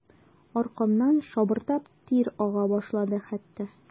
Аркамнан шабырдап тир ага башлады хәтта.